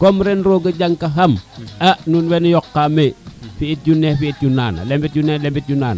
comme ren roga jang ka xam a nuun wena yoqa meen fi it yo neke fi it yo nana lemit yo nene lemit yo nana